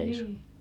niin